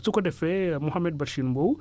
su ko defee Mouhamed Bachir Mbow